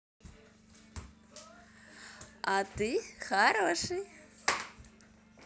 а ты хороший